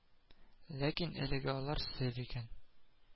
Ләкин әлегә алар сер икән